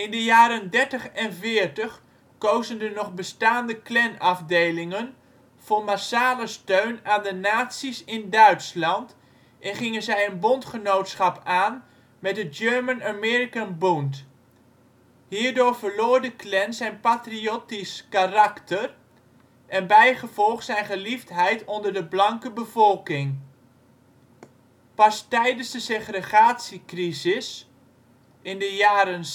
de jaren dertig en veertig kozen de nog bestaande Klanafdelingen voor massale steun aan de nazi 's in Duitsland en gingen zij een bondgenootschap aan met de German American Bund. Hierdoor verloor de Klan zijn patriottisch karakter en bijgevolg zijn geliefdheid onder de blanke bevolking. Pas tijdens de segregratiecrisis in de jaren